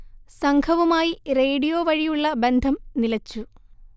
സംഘവുമായി റേഡിയോ വഴിയുള്ള ബന്ധം നിലച്ചു